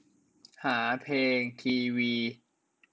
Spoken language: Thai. หาเพลงทีวี